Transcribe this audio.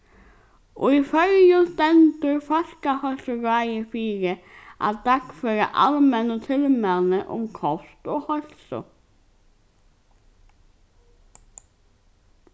í føroyum stendur fólkaheilsuráðið fyri at dagføra almennu tilmælini um kost og heilsu